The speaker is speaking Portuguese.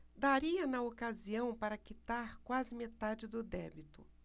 daria na ocasião para quitar quase metade do débito